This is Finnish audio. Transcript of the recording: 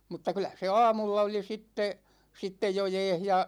mutta kyllä se aamulla oli sitten sitten jo jäässä ja